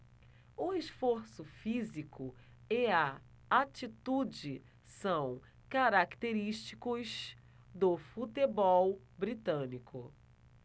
o esforço físico e a atitude são característicos do futebol britânico